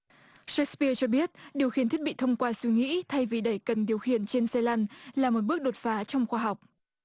sếc pia cho biết điều khiển thiết bị thông qua suy nghĩ thay vì đẩy cần điều khiển trên xe lăn là một bước đột phá trong khoa học